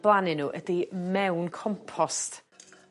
blannu n'w ydi mewn compost.